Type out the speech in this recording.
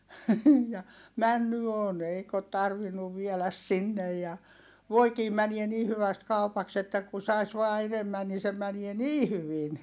ja mennyt on eikä ole tarvinnut vielä sinne ja voikin menee niin hyvästi kaupaksi että kun saisi vain enemmän niin se menee niin hyvin